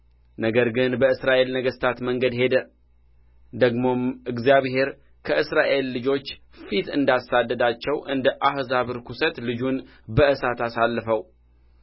ነገር ግን በእስራኤል ነገሥታት መንገድ ሄደ ደግሞም እግዚአብሔር ከእስራኤል ልጆች ፊት እንዳሳደዳቸው እንደ አሕዛብ ርኵሰት ልጁን በእሳት አሳለፈው